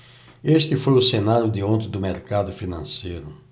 este foi o cenário de ontem do mercado financeiro